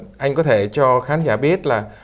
anh có thể cho khán giả biết là